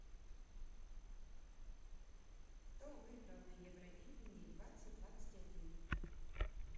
кто выиграл на евровидении двадцать двадцать один